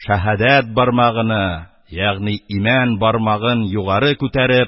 Шәһадәт бармагыны ягъни имән бармагын югары күтәреп,